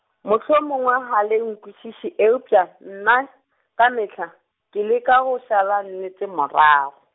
mohlomongwe ga le nkwešiše eupša, nna, ka mehla, ke leka go šala nnete morago.